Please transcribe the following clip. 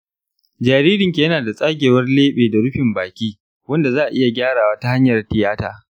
jaririnki yana da tsagewar leɓe da rufin baki wanda za a iya gyarawa ta hanyar tiyata.